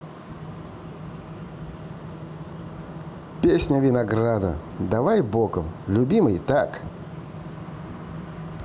песня винограда давай боком любимый так